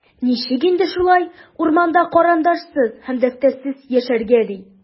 Ничек инде шулай, урманда карандашсыз һәм дәфтәрсез яшәргә, ди?!